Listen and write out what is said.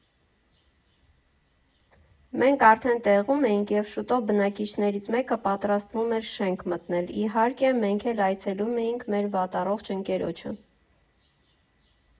Մենք արդեն տեղում էինք և շուտով բնակիչներից մեկը պատրաստվում էր շենք մտնել՝ իհարկե, մենք էլ այցելում էինք մեր վատառողջ ընկերոջը։